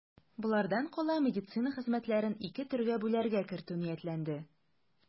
Болардан кала медицина хезмәтләрен ике төргә бүләргә кертү ниятләнде.